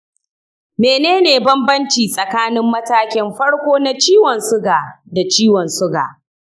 mene ne bambanci tsakanin matakin farko na ciwon suga da ciwon suga?